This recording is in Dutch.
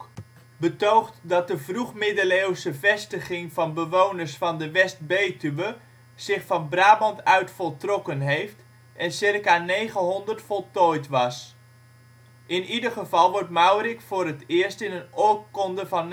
betoogt dat de vroeg-middeleeuwse vestiging van bewoners van de West-Betuwe zich van Brabant uit voltrokken heeft en ca. 900 voltooid was. In ieder geval wordt Maurik voor het eerst in een oorkonde van